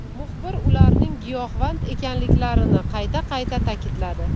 muxbir ularning giyohvand ekanliklarini qayta qayta ta'kidladi